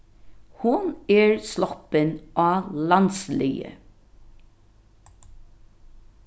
hon er sloppin á landsliðið